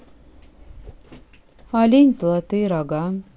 олень золотые рога